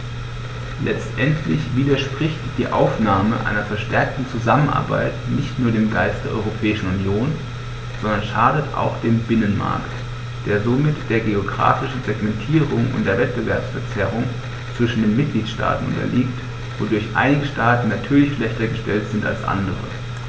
Letztendlich widerspricht die Aufnahme einer verstärkten Zusammenarbeit nicht nur dem Geist der Europäischen Union, sondern schadet auch dem Binnenmarkt, der somit der geographischen Segmentierung und der Wettbewerbsverzerrung zwischen den Mitgliedstaaten unterliegt, wodurch einige Staaten natürlich schlechter gestellt sind als andere.